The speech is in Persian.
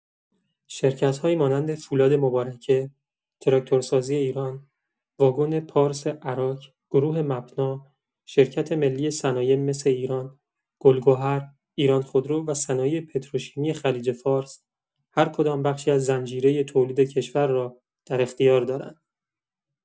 شرکت‌هایی مانند فولاد مبارکه، تراکتورسازی ایران، واگن پارس اراک، گروه مپنا، شرکت ملی صنایع مس ایران، گل‌گهر، ایران‌خودرو و صنایع پتروشیمی خلیج‌فارس، هرکدام بخشی از زنجیره تولید کشور را در اختیار دارند.